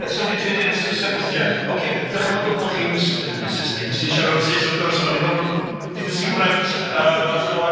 So dwi'n trio deud wrth Saeson weithiau ocê dychmygwch bod chi'n s-... Yn Saesneg fyswn i'n siarad efo'r Saeson wrth gwrs oni bai bod nhw 'di dysgu Cymraeg yym fel llawer.